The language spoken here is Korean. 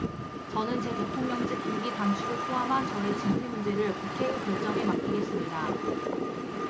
저는 제 대통령직 임기 단축을 포함한 저의 진퇴 문제를 국회의 결정에 맡기겠습니다